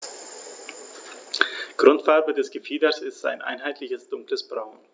Grundfarbe des Gefieders ist ein einheitliches dunkles Braun.